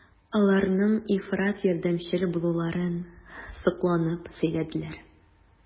Аларның ифрат ярдәмчел булуларын сокланып сөйләделәр.